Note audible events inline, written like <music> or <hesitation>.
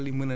<hesitation> <hesitation>